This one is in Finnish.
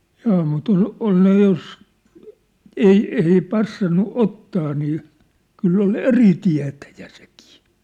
jaa mutta oli oli ne jos ei ei passannut ottaa niin kyllä oli eri tietäjä sekin